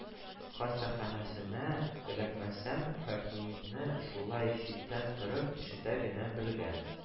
Хастаханәсенә эләкмәсәм, фәһимне шулай читтән торып, ишетә генә белгән